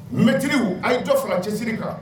Maîtres _ aye dɔ fara cɛsiri kan.